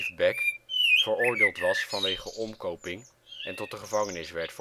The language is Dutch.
Beck, veroordeeld was vanwege omkoping en tot de gevangenis werd